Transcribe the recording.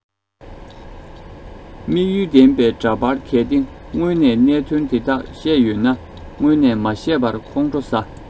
དམིགས ཡུལ ལྡན པའི འདྲ པར གལ ཏེ སྔོན ནས གནད དོན དེ དག བཤད ཡོད ན སྔོན ནས མ བཤད པར ཁོང ཁྲོ ཟ